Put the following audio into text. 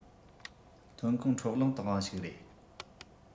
ཐོན ཁུངས འཕྲོ བརླག བཏང བ ཞིག རེད